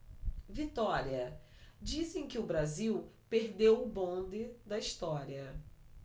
vitória dizem que o brasil perdeu o bonde da história